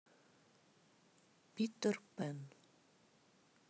питер пэн